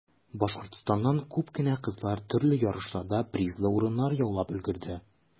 Башкортстаннан күп кенә кызлар төрле ярышларда призлы урыннар яулап өлгерде.